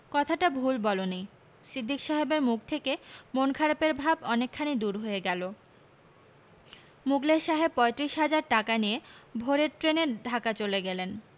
কথাটা ভুল বলনি সিদ্দিক সাহেবের মুখ থেকে মন খারাপের ভাব অনেকখানি দূর হয়ে গেল মুখলেস সাহেব পয়ত্রিশ হাজার টাকা নিয়ে ভোরের ট্রেনে ঢাকা চলে গেলেন